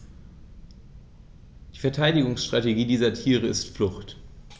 Die Verteidigungsstrategie dieser Tiere ist Flucht.